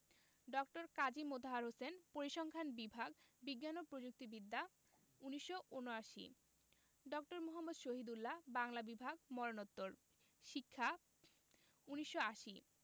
ড. কাজী মোতাহার হোসেন পরিসংখ্যান বিভাগ বিজ্ঞান ও প্রযুক্তি বিদ্যা ১৯৭৯ ড. মুহম্মদ শহীদুল্লাহ বাংলা বিভাগ মরণোত্তর শিক্ষা ১৯৮০